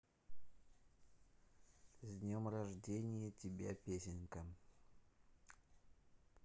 с днем рождения тебя песенка